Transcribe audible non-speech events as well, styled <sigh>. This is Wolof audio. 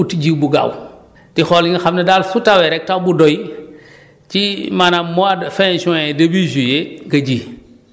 donc uti jiw bu gaaw di xool yi nga xam ne daal su tawee rek taw bu doy <breath> ci maanaam mois de fin juin début juillet nga ji